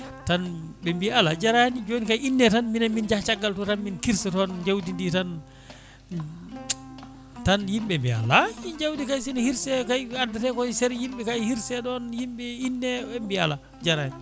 tan ɓe mbi ala jarani joni kayi inne tan minen min jaaha caggal to tan min kirsa toon jawdi ndi tan tan yimɓe mbi alaa i jawdi kayi sene hirse kayi addate koye saara yimɓe hirse ɗon yimɓe inne ɓe mbi ala jarani